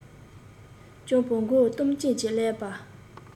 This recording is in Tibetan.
སྤྱང པོ མགོ སྟོང ཅན གྱི ཀླད པ